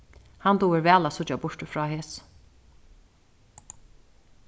hann dugir væl at síggja burtur frá hesum